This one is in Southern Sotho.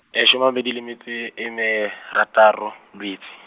shome a mabedi, le metso e e meratano, Lwetse.